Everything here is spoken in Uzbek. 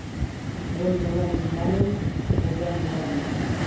men nima deyman u xo'jam nima deydi